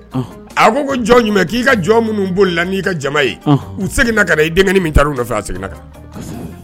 A ko ko jɔn jumɛn k'i ka jɔn minnu boli la n' ka jama ye seginna i denkɛ min ta fɛ a seginna kan